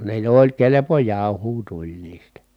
ne jo oli kelpo jauhoa tuli niistä